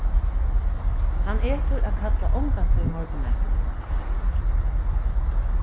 hann etur at kalla ongantíð morgunmat